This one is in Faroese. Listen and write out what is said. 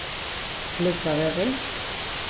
glyvravegur